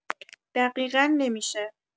دقیقا نمی‌شه